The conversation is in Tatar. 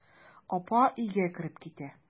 Апа өйгә кереп китә.